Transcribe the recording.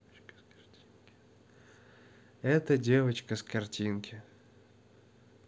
это девочка с картинки